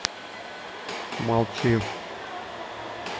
молли